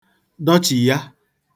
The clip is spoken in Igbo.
dọchìya